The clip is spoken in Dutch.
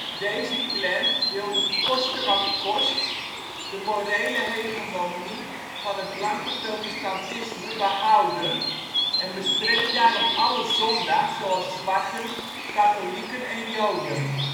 Deze Klan wilde koste wat het kost de morele hegemonie van het blanke protestantisme behouden en bestreed daarom alle zondaars zoals zwarten, katholieken en joden